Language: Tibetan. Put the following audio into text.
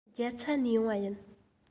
རྒྱ ཚ ནས ཡོང བ ཡིན